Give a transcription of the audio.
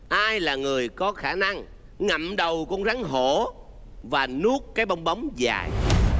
ai là người có khả năng ngậm đầu con rắn hổ và nuốt cái bong bóng dài